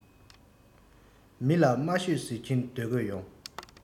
མི ལ མ ཤོད ཟེར གྱིན སྡོད དགོས ཡོང